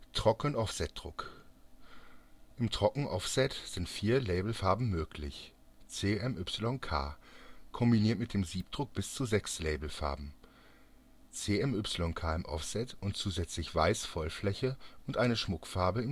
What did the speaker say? Trockenoffsetdruck: Im Trockenoffset sind 4 Labelfarben möglich (CMYK), kombiniert mit dem Siebdruck bis zu 6 Labelfarben (CMYK im Offset und zusätzlich weiß Vollfläche und eine Schmuckfarbe